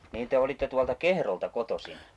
niin te olitte tuolta Kehrolta kotoisin